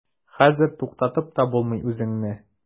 Хәзер туктатып та булмый үзеңне.